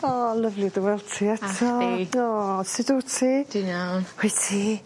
O lyfli dy weld ti eto. A chdi. O sut wt ti? Dwi'n iawn. Wyt ti?